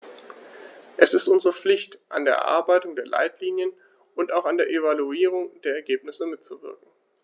Es ist unsere Pflicht, an der Erarbeitung der Leitlinien und auch an der Evaluierung der Ergebnisse mitzuwirken.